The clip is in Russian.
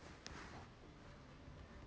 рассказ про село марат пензенская область